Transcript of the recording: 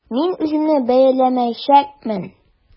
Мин үземне бәяләмәячәкмен.